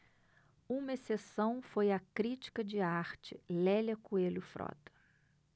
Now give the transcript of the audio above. uma exceção foi a crítica de arte lélia coelho frota